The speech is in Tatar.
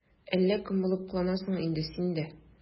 Әллә кем булып кыланасың инде син дә...